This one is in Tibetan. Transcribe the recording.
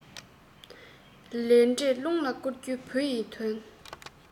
ལས འབྲས རླུང ལ བསྐུར རྒྱུ བུ ཡི དོན